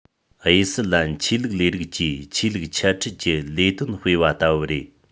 དབྱི སི ལན ཆོས ལུགས ལས རིགས ཀྱིས ཆོས ལུགས འཆད འགྲེལ གྱི ལས དོན སྤེལ བ ལྟ བུ རེད